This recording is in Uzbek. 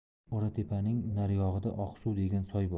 o'ratepaning naryog'ida oqsuv degan soy bor